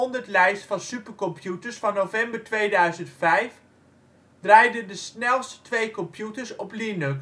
de TOP500-lijst van supercomputers van november 2005 draaiden de snelste twee computers op Linux